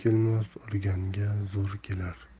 kelmas urganga zo'r kelar